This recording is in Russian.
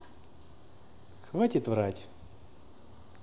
хватит врать